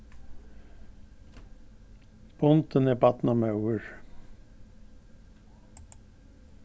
bundin er barnamóðir